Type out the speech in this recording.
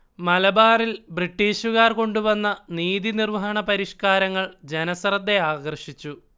മലബാറിൽ ബ്രിട്ടീഷുകാർ കൊണ്ടുവന്ന നീതിനിർവഹണ പരിഷ്കാരങ്ങൾ ജനശ്രദ്ധയാകർഷിച്ചു